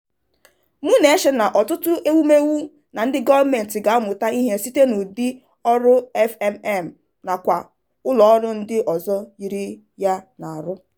Mụ na-eche na ọtụtụ ewumewu na ndị gọọmenti ga-amụta ihe site n'ụdị ọrụ FMM nakwa ụlọ ọrụ ndị ọzọ yiri ya na-arụ.